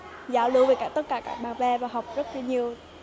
giao lưu với cả tất cả các bạn bè và học rất là nhiều